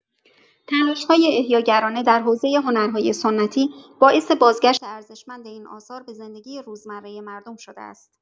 تلاش‌های احیاگرانه در حوزه هنرهای سنتی باعث بازگشت ارزشمند این آثار به زندگی روزمره مردم شده است.